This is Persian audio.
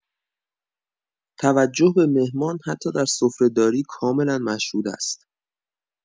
توجه به مهمان حتی در سفره‌داری کاملا مشهود است؛